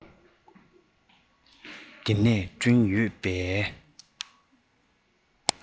འདི ནས བསྐྲུན ཡོད པའི